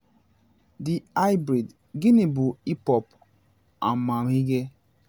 The High Breed: Gịnị bụ hip hop amamịghe?